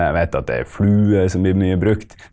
jeg vet at det er fluer som blir mye brukt.